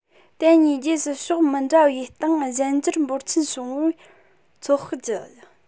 དེ གཉིས རྗེས སུ ཕྱོགས མི འདྲ བའི སྟེང གཞན འགྱུར འབོར ཆེན བྱུང བར ཚོད དཔག བགྱི དགོས